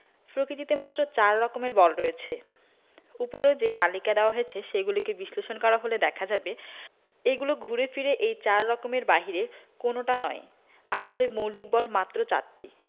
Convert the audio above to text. প্রকিতিতে মাত্র চার রকমের বল রয়েছে ওপরে যে তালিকা দেওয়া হয়েছে সেগুলোকে বিশ্লেষণ করা হলে দেখা যাবে এগুলো ঘুরে ফিরে এই চার রকমের বাহিরে কোনোটা নয় আসলে মৌলিক বল মাত্র চারটি